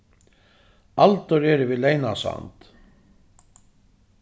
aldur eru við leynasand